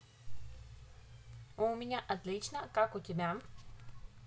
у меня отлично как у тебя